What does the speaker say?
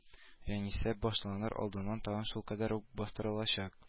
Җанисәп башланыр алдыннан тагын шулкадәр үк бастырылачак